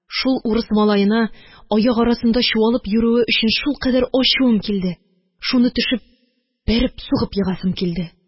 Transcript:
Шул урыс малаена аяк арасында чуалып йөрүе өчен шулкадәр ачуым килде, шуны төшеп, бәреп сугып егасым килде.